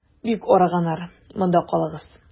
Бик арыганнар, монда калыгыз.